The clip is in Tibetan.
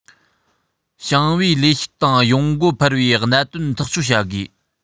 ཞིང པའི ལས ཞུགས དང ཡོང སྒོ འཕར བའི གནད དོན ཐག གཅོད བྱ དགོས